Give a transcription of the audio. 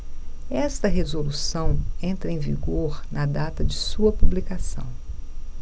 esta resolução entra em vigor na data de sua publicação